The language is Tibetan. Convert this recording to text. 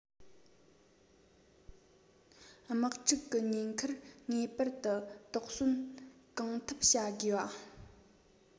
དམག འཁྲུག གི ཉེན ཁར ངེས པར དུ དོགས ཟོན གང ཐུབ བྱ དགོས པ